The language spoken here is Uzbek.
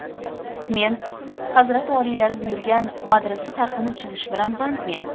men hazrati oliylari buyurgan madrasa tarhini chizish bilan bandmen